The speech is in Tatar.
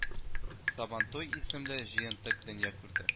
Сабантуй исемле җыентык дөнья күрде